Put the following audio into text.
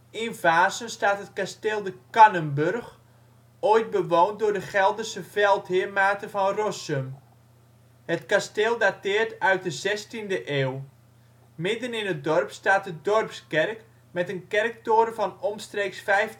In Vaassen staat het Kasteel De Cannenburgh, ooit bewoond door de Gelderse veldheer Maarten van Rossum. Het kasteel dateert uit de 16e eeuw. Midden in het dorp staat de Dorpskerk met een kerktoren van omstreeks 1500